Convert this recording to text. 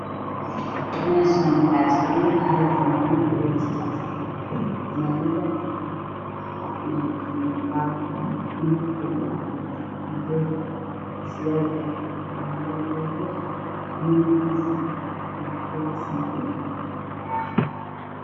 Meshan waxa suran fananad iosarwal fananad waa baar sarwalkan waa baar